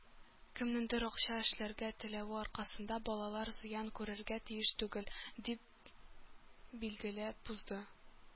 “кемнеңдер акча эшләргә теләве аркасында балалар зыян күрергә тиеш түгел”, - дип билгеләп узды.